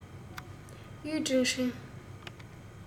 ཡུས ཀྲེང ཧྲེང